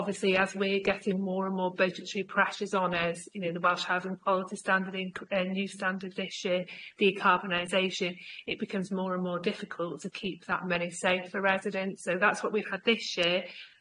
Obviously as we're getting more and more budgetary pressures on us, you know the Welsh Health and Quality standard inc- new standard this year, decarbonisation, it becomes more and more difficult to keep that money safe for residents so that's what we've had this year.